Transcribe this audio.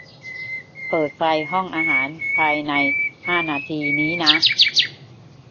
เปิดไฟห้องอาหารภายในห้านาทีนี้นะ